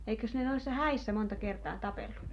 eikös ne noissa häissä monta kertaa tapellut